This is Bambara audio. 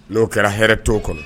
N'o kɛra hɛrɛ to kɔnɔ